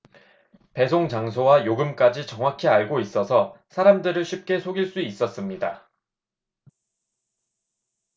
배송장소와 요금까지 정확히 알고 있어서 사람들을 쉽게 속일 수 있었습니다